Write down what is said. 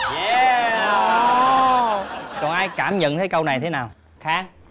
de ồ còn ai cảm nhận cái câu này thế nào khang